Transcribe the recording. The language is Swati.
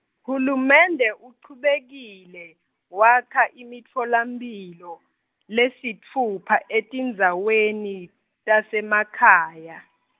hulumende uchubekile, wakha imitfolamphilo, lesitfupha etindzaweni, tasemakhaya.